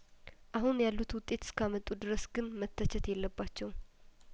አሁን ያሉት ውጤት እስካ መጡ ድረስ ግን መተቸት የለባቸውም